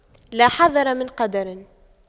لا حذر من قدر